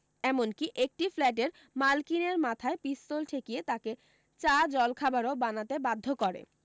এমনকি একটি ফ্ল্যাটের মালকিনের মাথায় পিস্তল ঠেকিয়ে তাঁকে চা জলখাবারও বানাতে বাধ্য করে